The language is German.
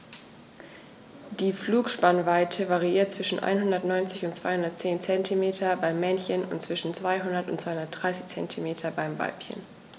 Die Flügelspannweite variiert zwischen 190 und 210 cm beim Männchen und zwischen 200 und 230 cm beim Weibchen.